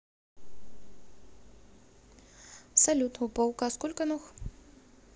салют у паука сколько ног